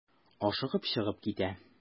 Ашыгып чыгып китә.